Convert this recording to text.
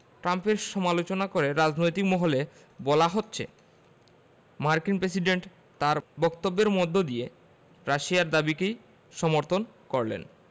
ট্রাম্পের সমালোচনা করে রাজনৈতিক মহলে বলা হচ্ছে মার্কিন প্রেসিডেন্ট তাঁর বক্তব্যের মধ্য দিয়ে রাশিয়ার দাবিকেই সমর্থন করলেন